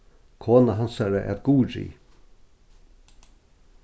kona hansara æt guðrið